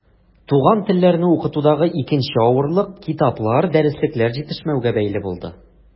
Туган телләрне укытудагы икенче авырлык китаплар, дәреслекләр җитешмәүгә бәйле булды.